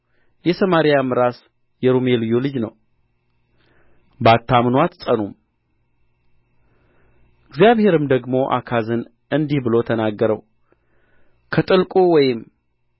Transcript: የሰማርያም ራስ የሮሜልዩ ልጅ ነው ባታምኑ አትጸኑም እግዚአብሔርም ደግሞ አካዝን እንዲህ ብሎ ተናገረው ከጥልቁ ወይም